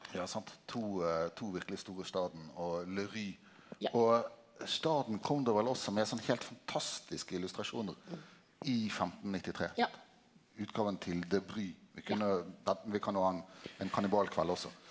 ja sant to to verkeleg store Staden og Léry, og Staden kom då vel også med sånn heilt fantastiske illustrasjonar i 1593 utgåva til Léry vi kunne vi kan jo ha ein ein kannibalkveld også.